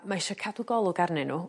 ma' isio cadw golwg arnyn n'w